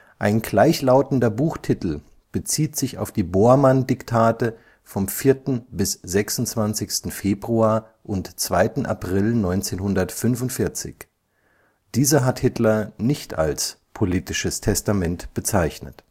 Ein gleichlautender Buchtitel bezieht sich auf die Bormann-Diktate vom 4. bis 26. Februar und 2. April 1945. Diese hat Hitler nicht als „ politisches Testament “bezeichnet